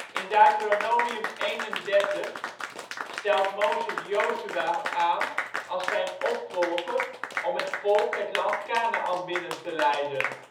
In Deuteronomium 31 stelt Mozes Jozua aan als zijn opvolger om het volk het land Kanaan binnen te leiden